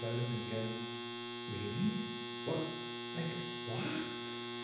But I was just thinking "Really? Wha- like, what?".